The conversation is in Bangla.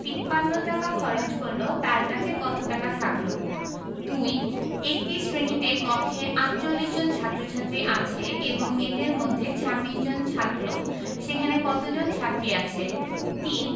৫৩ টাকা খরচ করল তার কাছে কত টাকা থাকল ২ একটি শ্রেণিতে কক্ষে ৪৮ জন ছাত্ৰ-ছাত্ৰী আছে এবং এদের মধ্যে ২৬ জন ছাত্র সেখানে কতজন ছাত্রী আছে ৩